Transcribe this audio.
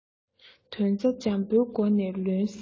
དོན རྩ འཇམ པོའི སྒོ ནས ལོན ཟེར ན